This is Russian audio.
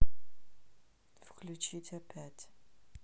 включить а пять